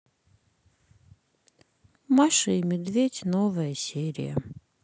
маша и медведь новая серия